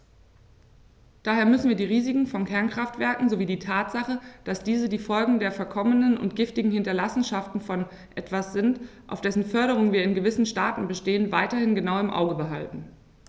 Daher müssen wir die Risiken von Kernkraftwerken sowie die Tatsache, dass diese die Folgen der verkommenen und giftigen Hinterlassenschaften von etwas sind, auf dessen Förderung wir in gewissen Staaten bestehen, weiterhin genau im Auge behalten.